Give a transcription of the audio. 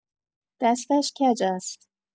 دستش کج است